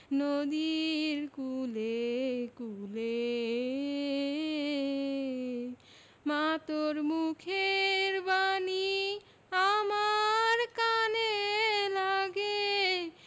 নদীর কূলে কূলে মা তোর মুখের বাণী আমার কানে লাগে